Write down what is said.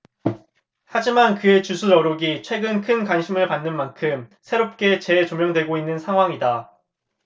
하지만 그의 주술 어록이 최근 큰 관심을 받는 만큼 새롭게 재조명되고 있는 상황이다